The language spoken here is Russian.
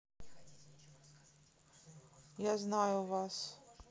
я знаю вас